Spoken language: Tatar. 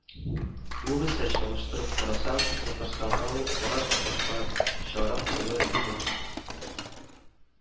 Югыйсә, чагыштырып карасаң, Татарстанга ул караш башкачарак булыр иде